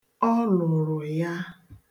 Ọ lụrụ ya.